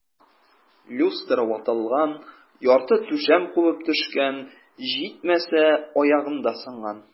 Люстра ватылган, ярты түшәм кубып төшкән, җитмәсә, аягым да сынган.